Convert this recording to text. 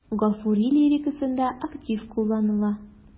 Гафури лирикасында актив кулланыла.